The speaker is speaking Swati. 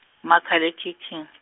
makhalekhikhini .